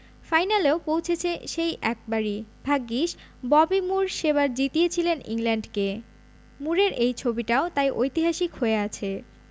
ফাইনালেও পৌঁছেছে সেই একবারই ভাগ্যিস ববি মুর সেবার জিতিয়েছিলেন ইংল্যান্ডকে মুরের এই ছবিটাও তাই ঐতিহাসিক হয়ে আছে